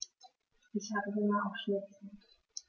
Ich habe Hunger auf Schnitzel.